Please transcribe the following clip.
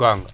gongua